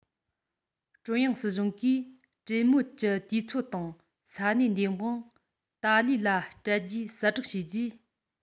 ཀྲུང དབྱང སྲིད གཞུང གིས གྲོས མོལ གྱི དུས ཚོད དང ས གནས འདེམས དབང ཏཱ ལའི ལ སྤྲད རྒྱུའི གསལ བསྒྲགས བྱས རྗེས